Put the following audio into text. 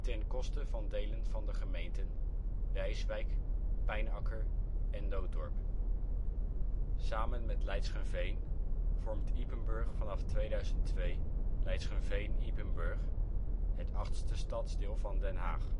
ten koste van delen van de gemeenten Rijswijk, Pijnacker en Nootdorp. Samen met Leidschenveen vormt Ypenburg vanaf 2002 Leidschenveen-Ypenburg, het achtste stadsdeel van Den Haag